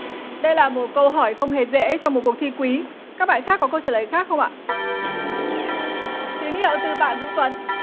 đây là một câu hỏi không hề dễ trong một cuộc thi quý các bạn khác có câu trả lời khác không ạ tín hiệu từ bạn vũ tuấn